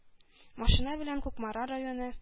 Машина белән Кукмара районы,